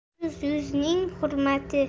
yuz yuzning hurmati